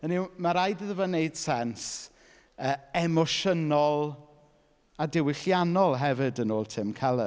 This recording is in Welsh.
Hynny yw ma' raid iddo fo wneud sens yy emosiynol a diwylliannol hefyd yn ôl Tim Keller.